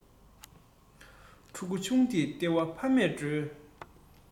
ཕྲུ གུ ཆུང དུས ལྟེ བ ཕ མས སྒྲོལ